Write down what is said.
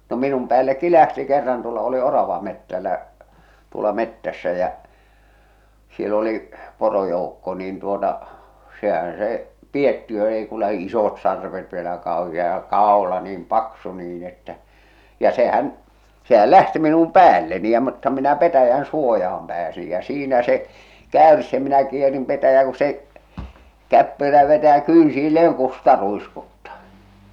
no minun päällekin lähti kerran tuolla olin oravametsällä tuolla metsässä ja siellä oli porojoukko niin tuota sehän se piettiö ei kuin lähti isot sarvet vielä kauhea ja kaula niin paksu niin että ja sehän sehän lähti minun päälleni ja mutta minä petäjän suojaan pääsin ja siinä se käyrsi ja minä kierin petäjään kun se käppyrä vetää ja kynsilleen kusta ruiskuttaa